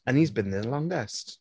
And he's been there the longest.